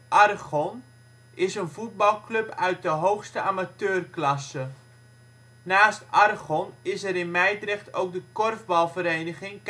Argon is een voetbalclub uit de hoogste amateurklasse. Naast Argon is er in Mijdrecht ook de korfbalvereniging